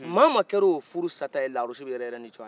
mɔgɔ wo mɔgɔ kɛr' o fuuru sata ye lawurusi bɛ yɛrɛ ni tɔgɔ yee